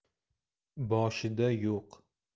boshida yo'q